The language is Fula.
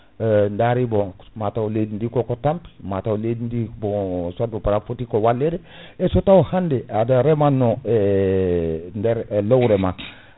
daari bon mataw leydi ndi koko tampi mataw leydi ndi bon sobo* foti ko wallede eso taw hande aɗa reemanno nder e lowre ma